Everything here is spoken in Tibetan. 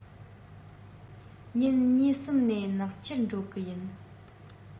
ཉིན གཉིས གསུམ ནས ནག ཆུར འགྲོ གི ཡིན